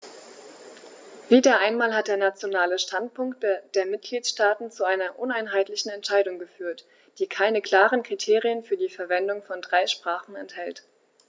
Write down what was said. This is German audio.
Wieder einmal hat der nationale Standpunkt der Mitgliedsstaaten zu einer uneinheitlichen Entscheidung geführt, die keine klaren Kriterien für die Verwendung von drei Sprachen enthält.